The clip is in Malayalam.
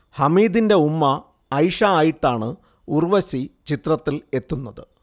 ഹമീദിന്റെ ഉമ്മ ആയിഷ ആയിട്ടാണ് ഉർവശി ചിത്രത്തിൽ എത്തുന്നത്